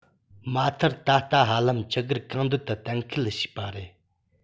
མ མཐར ད ལྟ ཧ ལམ ཅི དགར གང འདོད དུ གཏན འཁེལ བྱས པ རེད